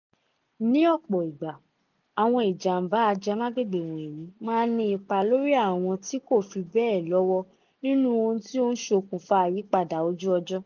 Ní ọ̀pọ̀ ìgbà, àwọn ìjàm̀bá ajẹmágbègbè wọ̀nyìí máa ń ní ipa lórí àwọn tí wọn kò fi bẹ́ẹ̀ lọ́wọ́ nínu ohun tí ó ń ṣokùnfà àyípadà ojú-ọjọ́.